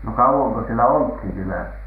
no kauanko siellä oltiin siellä